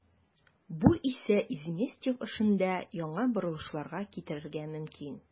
Бу исә Изместьев эшендә яңа борылышларга китерергә мөмкин.